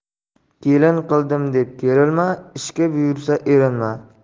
kelin qildim deb kerilma ishga buyursa erinma